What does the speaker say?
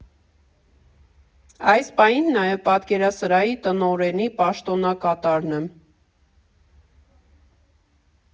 Այս պահին նաև պատկերասրահի տնօրենի պաշտոնակատարն եմ։